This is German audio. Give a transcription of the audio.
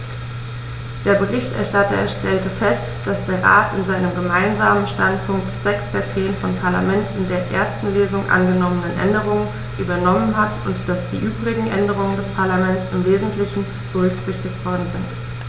Der Berichterstatter stellte fest, dass der Rat in seinem Gemeinsamen Standpunkt sechs der zehn vom Parlament in der ersten Lesung angenommenen Änderungen übernommen hat und dass die übrigen Änderungen des Parlaments im wesentlichen berücksichtigt worden sind.